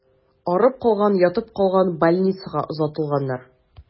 Арып калган, ятып калган, больницага озатылганнар.